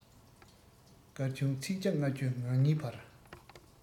སྐར ཆུང ཚིག བརྒྱ ལྔ བཅུ ང གཉིས བར